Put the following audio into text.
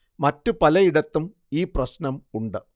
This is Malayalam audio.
മറ്റ് പലയിടത്തും ഈ പ്രശ്നം ഉണ്ട്